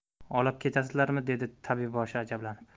olib ketasizlarmi dedi tabibboshi ajablanib